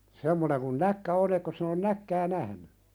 semmoinen kuin näkki on etkös sinä ole näkkiä nähnyt